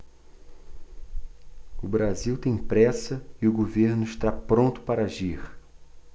o brasil tem pressa e o governo está pronto para agir